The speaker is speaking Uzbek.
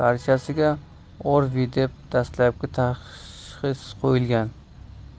barchasiga o'rvi deb dastlabki tashxis qo'yilgan